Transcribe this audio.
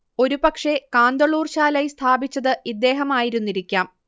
ഒരുപക്ഷേ കാന്തളൂർ ശാലൈ സ്ഥാപിച്ചത് ഇദ്ദേഹമായിരുന്നിരിക്കാം